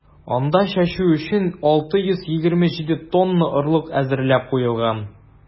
Анда чәчү өчен 627 тонна орлык әзерләп куелган.